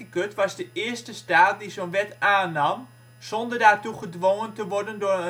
eerste staat die zo 'n wet aannam zonder daartoe gedwongen te worden door